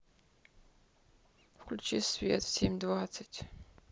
включи свет в семь двадцать